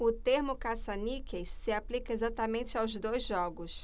o termo caça-níqueis se aplica exatamente aos dois jogos